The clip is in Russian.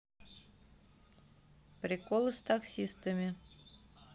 приколы с таксистами